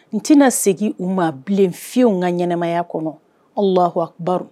N tɛna segin u mabilen fiwuw ka ɲɛnɛmaya kɔnɔ lawabaru